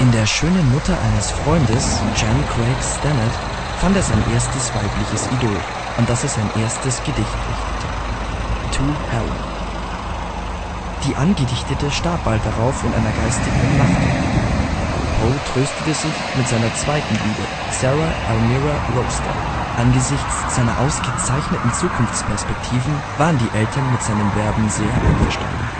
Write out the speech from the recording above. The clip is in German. der schönen Mutter eines Freundes, Jane Craig Stanard, fand er sein erstes weibliches Idol, an das er sein erstes Gedicht richtete: To Helen. Die Angedichtete starb bald darauf in geistiger Umnachtung. Poe tröstete sich mit seiner zweiten Liebe, Sarah Elmira Royster. Angesichts seiner ausgezeichneten Zukunftsperspektiven waren die Eltern mit seinem Werben sehr einverstanden